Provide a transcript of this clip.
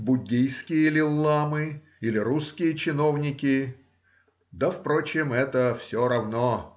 буддийские ли ламы или русские чиновники,— да, впрочем, это все равно.